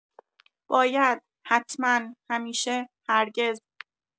باید، حتما، همیشه، هرگز